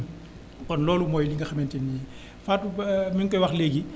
kon loolu mooy li nga xamante ne nii Fatou ba mi ngi koy wax léegi